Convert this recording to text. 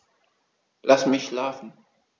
Lass mich schlafen